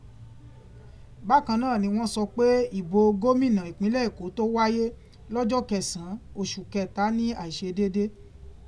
Bákan náà ni wọ́n sọ pé ìbò Gómìnà ìpínlẹ̀ Èkó tó wáyé lọ́jọ́ kẹsàn án, oṣù Kẹta ní àìṣedéédé.